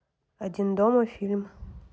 один дома фильм